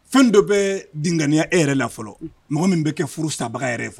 Fɛn dɔ bɛ denganiya e yɛrɛ la fɔlɔ mɔgɔ min bɛ kɛ furu sanbaga yɛrɛ ye fɔ